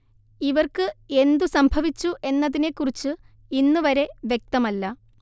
ഇവർക്ക് എന്തു സംഭവിച്ചു എന്നതിനെക്കുറിച്ച് ഇന്നുവരെ വ്യക്തമല്ല